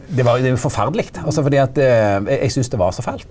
det var jo det er jo forferdeleg altså fordi at eg syntest det var så fælt.